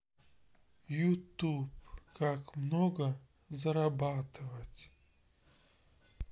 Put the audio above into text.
ютуб как много зарабатывать